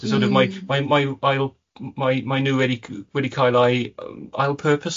Mm. So sort of mae mae mae w- ail- mae mae nhw wedi c- wedi cael eu ail-purposio?